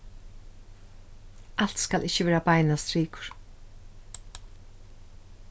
alt skal ikki vera beinar strikur